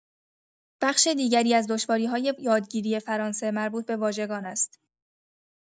بخش دیگری از دشواری‌های یادگیری فرانسه مربوط به واژگان است.